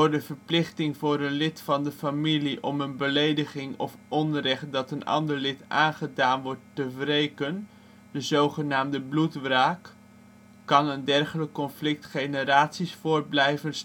de verplichting voor een lid van de familie om een belediging of onrecht dat een ander lid aangedaan te wreken, de zogenaamde bloedwraak kan een dergelijk conflict generaties voort blijven